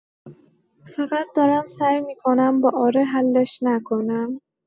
فقط دارم سعی می‌کنم با اره حلش نکنم.